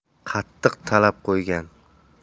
qattiq talab qo'ygan